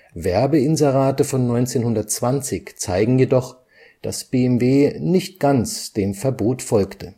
Werbeinserate von 1920 zeigen jedoch, dass BMW nicht ganz dem Verbot folgte